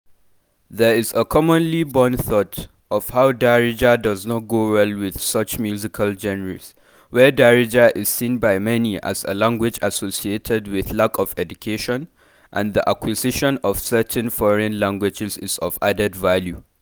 There is a commonly borne thought of how Darija does not go well with such musical genres where Darija is seen by many as a language associated with lack of education, and the acquisition of certain foreign languages is of added value.